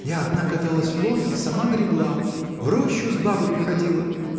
Я одна каталась в лодке, сама гребла, в рощу с бабами ходила!